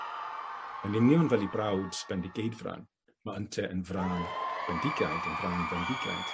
yn union fel 'i brawd Bendigeidfran, ma' ynte yn frân bendigaid yn fran fendigaid,